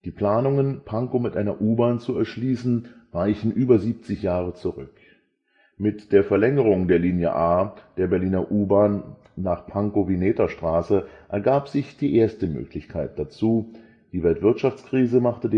Planungen, Pankow mit einer U-Bahn zu erschließen, reichen über 70 Jahre zurück. Mit der Verlängerung der Linie A der Berliner U-Bahn (heutige U2) nach Pankow (Vinetastraße) ergab sich die erste Möglichkeit dazu, die Weltwirtschaftskrise machte